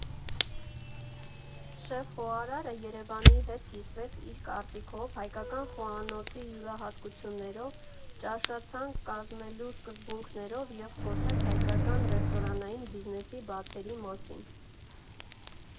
Շեֆ֊խոհարարը ԵՐԵՎԱՆի հետ կիսվեց իր կարծիքով հայկական խոհանոցի յուրահատկություններով, ճաշացանկ կազմելու սկզբունքներով և խոսեց հայկական ռեստորանային բիզնեսի բացերի մասին։